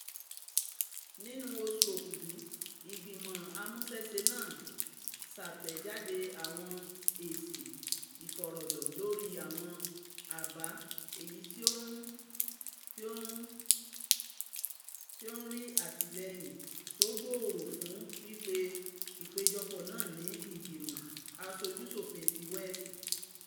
Nínú oṣù Òkúdu, Igbimọ Amuṣẹṣe náà ṣatẹjade awọn èsì ifọrọlọ lórí awọn àbá èyí ti ó rí atilẹyin tó gbòòrò fún pípe ipejọpọ náà ní Igbimọ Aṣoju-ṣofin ti Welsh.